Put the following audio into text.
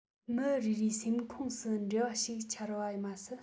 མི རེ རེའི སེམས ཁོངས སུ འགྲེལ བ ཞིག འཆར བ མ ཟད